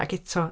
Ac eto.